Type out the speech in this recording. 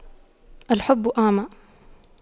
الحب أعمى